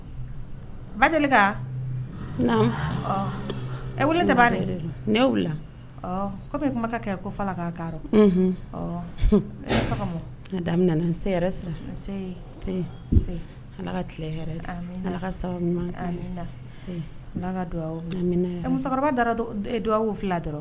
Ba e tɛ b' kɔmi kuma kɛ' ka tile musokɔrɔba du fila dɔrɔn